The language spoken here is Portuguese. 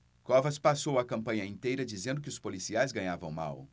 covas passou a campanha inteira dizendo que os policiais ganhavam mal